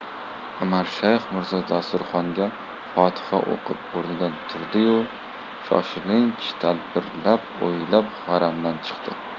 umarshayx mirzo dasturxonga fotiha o'qib o'rnidan turdi yu shoshilinch tadbirlar o'ylab haramdan chiqdi